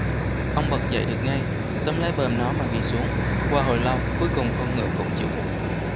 ông bật dậy được ngay túm lấy bờm nó mà ghì xuống qua hồi lâu cuối cùng con ngựa cũng chịu phục